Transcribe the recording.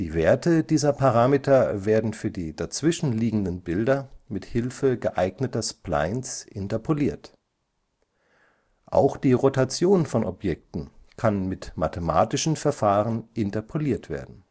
Werte dieser Parameter werden für die dazwischen liegenden Bilder mit Hilfe geeigneter Splines interpoliert. Auch die Rotation von Objekten kann mit mathematischen Verfahren interpoliert werden